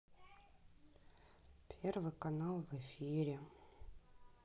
первый канал в эфире